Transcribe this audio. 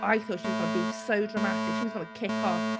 I thought she was going to be so dramatic, she was going to kick off.